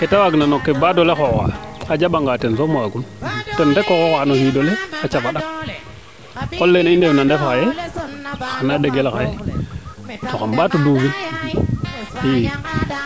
ke te waag na no ke badoola xooxa a jamba nga ten soom waagun ten rek o xooxa no xiidole a cafa ɗak o qol le i ndefna ndef xaye xana ndegle xaye to xam mbaato duufin i